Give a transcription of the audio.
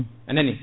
anani